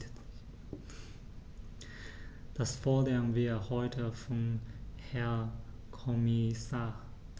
Das fordern wir heute vom Herrn Kommissar.